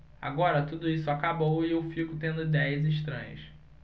agora tudo isso acabou e eu fico tendo idéias estranhas